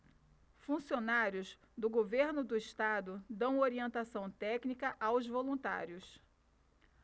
funcionários do governo do estado dão orientação técnica aos voluntários